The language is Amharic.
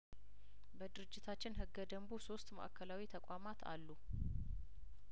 በድርጅታችን ህገ ደንቡ ሶስት ማእከላዊ ተቋማት አሉ